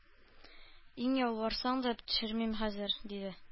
Ни ялварсаң да төшермим хәзер! — диде.